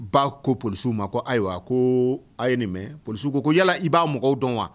Ba ko polisiww ma ko ayiwa ko a ye nin mɛ poli ko ko yala i b'a mɔgɔw dɔn wa